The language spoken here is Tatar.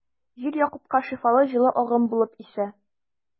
Җил Якупка шифалы җылы агым булып исә.